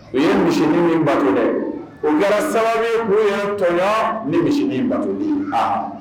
U ye misi min bato dɛ o kɛra saba ye bonya ye tɔya ni misi bato de a